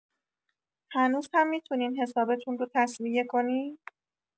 هنوز هم می‌تونین حسابتون رو تسویه کنین؟